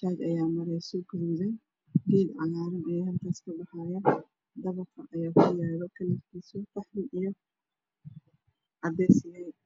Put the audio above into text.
gaduud ayaa marayso. Halkaas geed cagaaran ayaa kabaxaayo. Waxa kuyaalo dabaq kalarkiisu uu yahay qaxwi iyo cadeys ah.